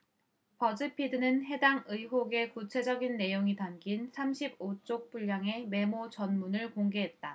버즈피드는 해당 의혹의 구체적 내용이 담긴 삼십 오 쪽 분량의 메모 전문을 공개했다